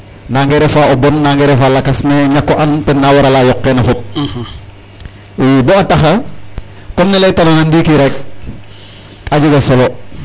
Nangee refaa o bon, nangee refaa lakas mais ñak o and ten na warala yoq kene fop ii bo a taxa comme ne laytnoona ndiiki rek a jega solo.